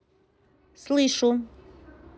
слышу